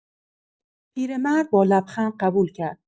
پیرمرد با لبخند قبول کرد.